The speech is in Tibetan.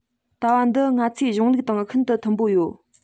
ལྟ བ འདི ང ཚོའི གཞུང ལུགས དང ཤིན ཏུ མཐུན པོ ཡོད